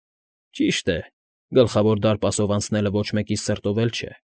Ճիշտ է, Գլխավոր դարպասով անցնելը ոչ մեկիս սրտով էլ չէ։